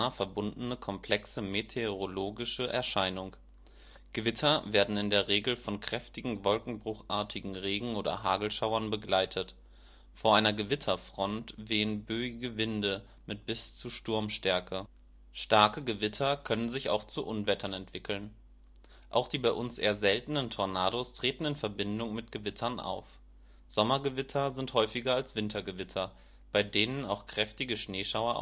verbundene komplexe meteorologische Erscheinung. Gewitter werden in der Regel von kräftigen wolkenbruchartigen Regen - oder Hagelschauern begleitet. Vor einer Gewitterfront wehen böige Winde mit bis zu Sturmstärke. Starke Gewitter können sich auch zu Unwettern entwickeln. Auch die bei uns eher seltenen Tornados treten in Verbindung mit Gewittern auf. Sommergewitter sind häufiger als Wintergewitter, bei denen auch kräftige Schneeschauer